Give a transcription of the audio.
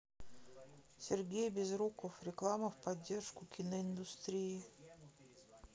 сергей безруков реклама в поддержку конституции